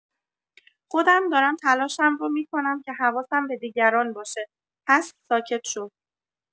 خودم دارم تلاشم رو می‌کنم که حواسم به دیگران باشه، پس ساکت شو!